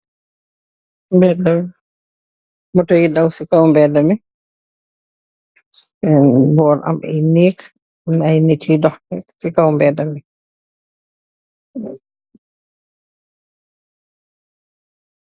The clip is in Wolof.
Mbeda moto yi daw ci kawmbeddami boor am ay neek am ay nik yui dox ci kawmbeeda mi.